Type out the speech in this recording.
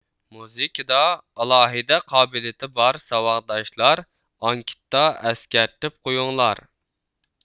مۇزىكىدا ئالاھىدە قابىلىيىتى بار ساۋاقداشلار ئانكىتتا ئەسكەرتىپ قويۇڭلار